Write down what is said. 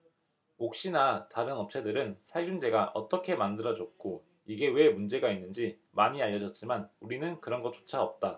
옥시나 다른 업체들은 살균제가 어떻게 만들어졌고 이게 왜 문제가 있는지 많이 알려졌지만 우리는 그런 것조차 없다